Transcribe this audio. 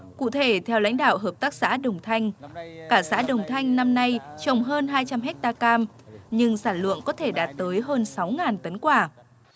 cụ thể theo lãnh đạo hợp tác xã đồng thanh cả xã đồng thanh năm nay trồng hơn hai trăm héc ta cam nhưng sản lượng có thể đạt tới hơn sáu ngàn tấn quả